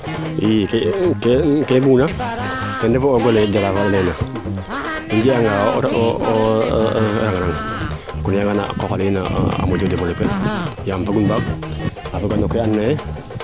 i ke i mbung na te ref o xogole Jaraf a leyna i njeg anga kon nene a qooqe in a moƴo developper de yaam fagun faak a foga no ke ando naye